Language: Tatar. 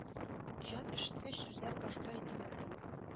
Җан өшеткеч сүзләр башка әйтелмәде